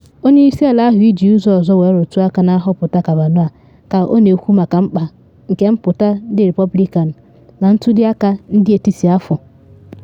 Onye isi ala ahụ iji ụzọ ọzọ wee rụtụ aka na nhọpụta Kavanaugh ka ọ na ekwu maka mkpa nke mpụta ndị Repọblikan na ntuli aka ndị etiti afọ.